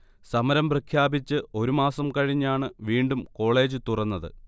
സമരം പ്രഖ്യാപിച്ച്ഒരു മാസം കഴിഞ്ഞാണു വീണ്ടും കോളേജ്തുറന്നത്